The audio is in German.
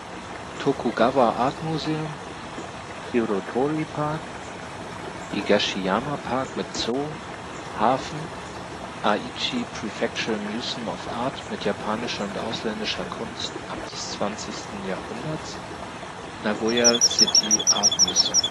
Tokugawa-Art-Museum Shirotori-Park Higashiyama-Park mit Zoo Hafen Aichi Prefectural Museum of Art mit japanischer und ausländischer Kunst ab des 20. Jahrhunderts Nagoya City Art Museum